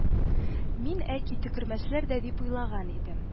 Мин, әки, төкермәсләр дә дип уйлаган идем